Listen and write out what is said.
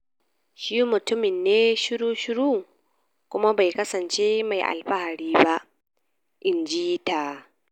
"Shi mutum ne shiru-shiru, kuma bai kasance mai alfahari ba," inji ta.